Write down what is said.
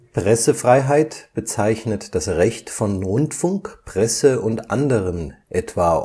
Pressefreiheit bezeichnet das Recht von Rundfunk, Presse und anderen (etwa